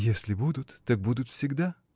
— Если будут, так будут всегда.